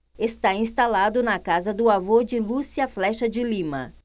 está instalado na casa do avô de lúcia flexa de lima